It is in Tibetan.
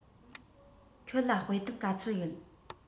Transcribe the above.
ཁྱོད ལ དཔེ དེབ ག ཚོད ཡོད